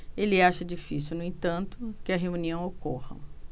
ele acha difícil no entanto que a reunião ocorra